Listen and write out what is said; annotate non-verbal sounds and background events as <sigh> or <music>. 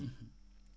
<hesitation> <hesitation>